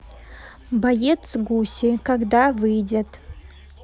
боец гуси когда выйдет